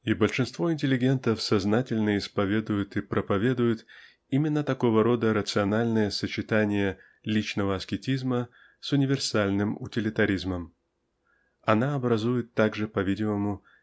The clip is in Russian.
И большинство интеллигентов сознательно исповедует и проповедует именно такого рода рациональное сочетание личного аскетизма с универсальным утилитаризмом оно образует также по-видимому